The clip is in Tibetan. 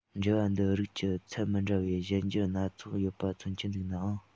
འབྲེལ བ འདི རིགས ཀྱིས ཚད མི འདྲ བའི གཞན འགྱུར སྣ ཚོགས ཡོད པ མཚོན གྱི འདུག ནའང